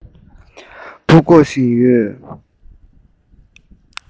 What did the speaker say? འབུ རྐོ བཞིན ཡོད